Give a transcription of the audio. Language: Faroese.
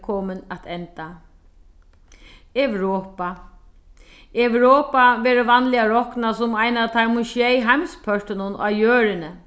komin at enda europa europa verður vanliga roknað sum ein av teimum sjey heimspørtunum á jørðini